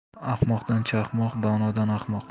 ahmoqdan chaqmoq donodan ahmoq